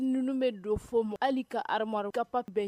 Ninnu bɛ don fo mɔ , hali i ka armoire , i ka pa bɛɛ